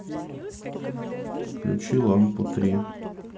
включи лампу три